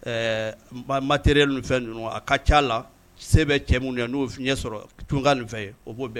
Ɛɛ n ma terire fɛn ninnu a ka ca la se bɛ cɛ minnu ye n'o sɔrɔ tunkan nin fɛn ye o b'o bɛn